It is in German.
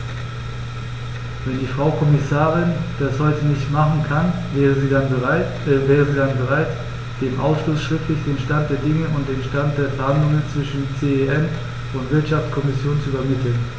Wenn die Frau Kommissarin das heute nicht machen kann, wäre sie dann bereit, dem Ausschuss schriftlich den Stand der Dinge und den Stand der Verhandlungen zwischen CEN und Wirtschaftskommission zu übermitteln?